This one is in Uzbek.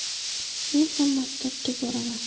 men ham maktabga boraman